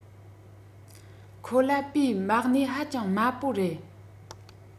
ཁོ ལ པའི མ གནས ཧ ཅང དམའ པོ རེད